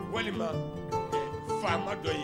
Walima faama dɔ yen